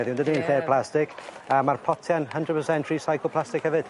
Yn lle plastig a ma'r plotia'n hundred percent recycled plastic hefyd.